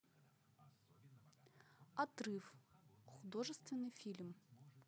отрыв художественный фильм